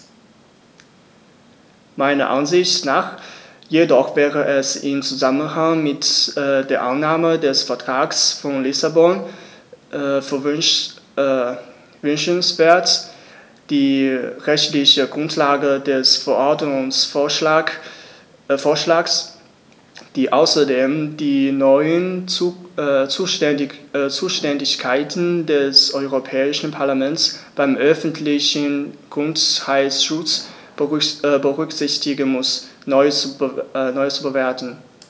Meiner Ansicht nach jedoch wäre es im Zusammenhang mit der Annahme des Vertrags von Lissabon wünschenswert, die rechtliche Grundlage des Verordnungsvorschlags, die außerdem die neuen Zuständigkeiten des Europäischen Parlaments beim öffentlichen Gesundheitsschutz berücksichtigen muss, neu zu bewerten.